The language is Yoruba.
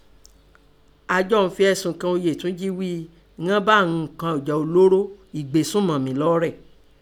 Àjọ ọ̀ún fẹ ẹ̀sùn kan Òyetúnjí ghíi inan bá ìnọn unǹkun ẹ̀jà olóró ẹgbésùnmọ̀mí lọ́ọ́ rẹ̀.